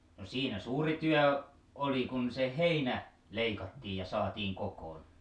no siinä suuri työ oli kun se heinä leikattiin ja saatiin kokoon